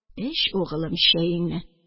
Эч, угылым, чәеңне